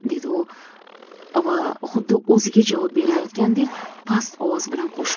dedi u va xuddi o'ziga javob berayotgandek past ovoz bilan qo'shib